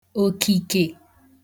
òkìkè